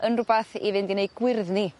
yn rwbath i fynd i neud gwyrddni